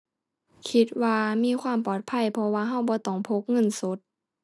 คิดว่ามีความปลอดภัย เพราะว่าเราบ่ต้องพกเงินสด